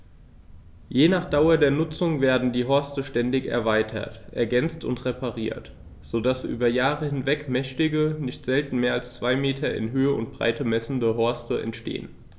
Je nach Dauer der Nutzung werden die Horste ständig erweitert, ergänzt und repariert, so dass über Jahre hinweg mächtige, nicht selten mehr als zwei Meter in Höhe und Breite messende Horste entstehen.